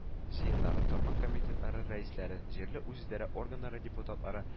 Җыеннары тармак комитетлары рәисләре, җирле үзидарә органнары депутатлары